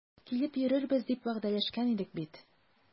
Килеп йөрербез дип вәгъдәләшкән идек бит.